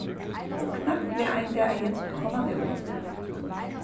og knappliga ein dagin kom hann út